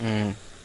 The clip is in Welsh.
Hmm.